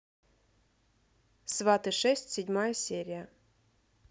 сваты шесть седьмая серия